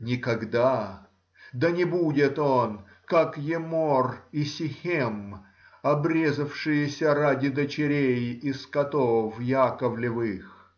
Никогда, да не будет он как Еммор и Сихем, обрезавшиеся ради дочерей и скотов Иаковлевых!